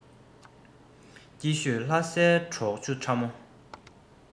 སྐྱིད ཤོད ལྷ སའི གྲོག ཆུ ཕྲ མོ